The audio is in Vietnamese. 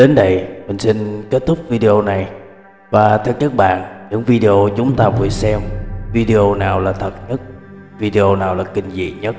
đến đây mình xin kết thúc video này và theo các bạn những video chúng ta vừa xem video nào là thật nhất video nào là kinh dị nhất